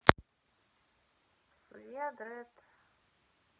судья дредд